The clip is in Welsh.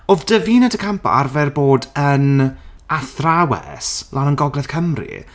Oedd Davina de Campo arfer bod yn athrawes lan yn Gogledd Cymru.